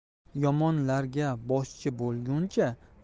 yomonlarga boshchi bo'lguncha